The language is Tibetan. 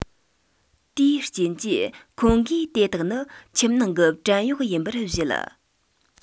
དེའི རྐྱེན གྱིས ཁོང གིས དེ དག ནི ཁྱིམ ནང གི བྲན གཡོག ཡིན པར བཞེད